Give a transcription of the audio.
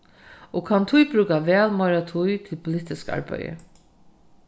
og kann tí brúka væl meira tíð til politiska arbeiðið